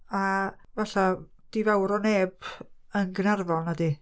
a falla, 'di fawr o neb yn Gaernarfon nadi.